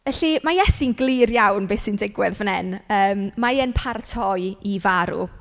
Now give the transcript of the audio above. Felly ma' Iesu'n glir iawn be sy'n digwydd fan hyn, yym mae e'n paratoi i farw.